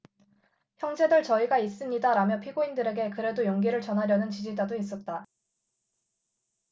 형제들 저희가 있습니다라며 피고인들에게 그래도 용기를 전하려는 지지자도 있었다